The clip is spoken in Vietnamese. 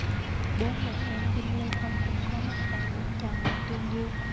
bố mẹ em đinh lê công cũng có mặt tại buổi chào mừng tuyên dương